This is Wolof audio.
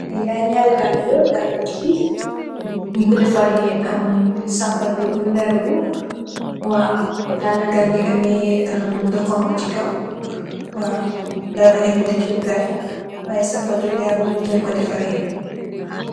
Li ay naari daala daal bi nyu ko defareh sampa do deru waw daala gagi ameh ku xonxa si kaw waw daala bagi ameh tegeh kai y sapadu bu derulenko defareh.